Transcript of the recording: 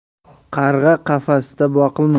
qarg'a qafasda boqilmas